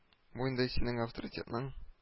Бу инде синең авторитетның